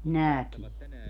näkee